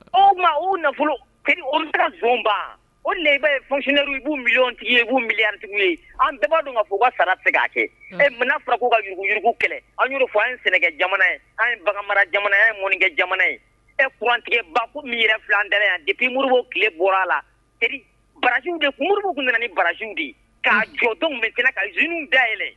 O ma u nafolo u donba o ye fsina b'u miy tigi ye u b'u miyantigiw ye an bɛɛ b'a dun ka uu ka sara segin kɛ e mana fara k'u ka muguuguurugu kɛlɛ anur fɔ an sɛnɛ jamana ye an bagan mara jamanaya mkɛ jamana ye e kurantigɛ ba fo min yɛrɛ fila dalen yan depi muruurubu tile bɔra a la teri baraj muruuruugu nana ni baraj bi ka jɔto min kɛnɛ ka zw bɛɛ yɛlɛ